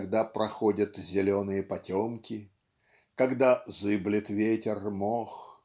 когда проходят "зеленые потемки" когда "зыблет ветер мох